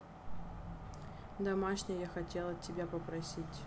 домашний я хотела тебя попросить